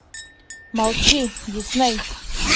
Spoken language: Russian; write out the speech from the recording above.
молчи дисней